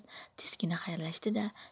tezgina xayrlashdi da